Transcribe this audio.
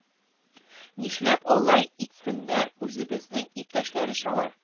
Нишләп алай итсеннәр, үзебезнең иптәшләр ич алар